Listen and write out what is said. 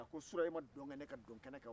a ko surɔ e ma dɔnkɛ ne ka dɔn kɛnɛ kan wa